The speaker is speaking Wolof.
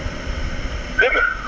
dégg nga